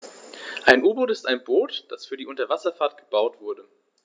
Ein U-Boot ist ein Boot, das für die Unterwasserfahrt gebaut wurde.